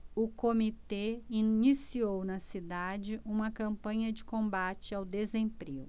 o comitê iniciou na cidade uma campanha de combate ao desemprego